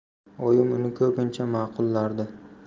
oyim uni ko'pincha ma'qullardi